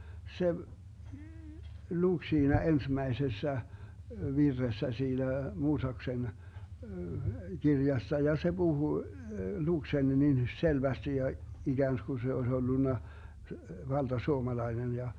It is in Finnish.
se luki siinä ensimmäisessä virressä siinä Mooseksen kirjassa ja se puhui luki sen niin selvästi ja ikään kuin se olisi ollut valtasuomalainen ja